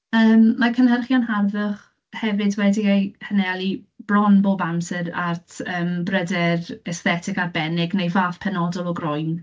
Yym, mae cynhyrchion harddwch hefyd wedi eu hanelu bron bob amser at, yym, bryder esthetig arbennig neu fath penodol o groen.